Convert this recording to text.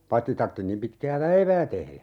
paitsi tarvitsi niin pitkää päivää tehdä